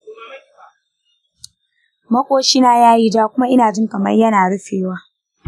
makoshina ya yi ja kuma ina jin kamar yana rufewa.